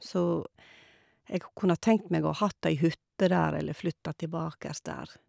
Så jeg kunne ha tenkt meg å hatt ei hytte der eller flytta tilbake der.